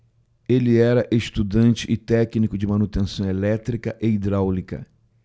ele era estudante e técnico de manutenção elétrica e hidráulica